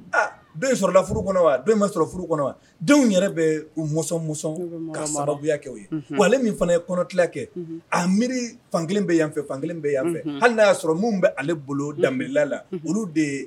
Aa bɛɛ sɔrɔda furu kɔnɔ wa bɛɛ bɛ sɔrɔ furu kɔnɔ wa denw yɛrɛ bɛ u mɔzɔn mu ka maabuya kɛ o ye wa ale min fana ye kɔnɔti kɛ a miiri fankelen bɛ yanfɛ fankelen bɛ yanfɛ hali n' y'a sɔrɔ minnu bɛ ale bolo dabla la olu de ye